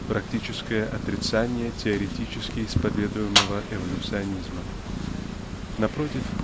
практическое отрицание теоретически исповедуемого эволюционизма. Напротив